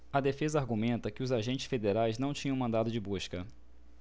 a defesa argumenta que os agentes federais não tinham mandado de busca